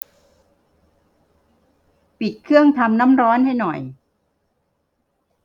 ปิดเครื่องทำน้ำร้อนให้หน่อย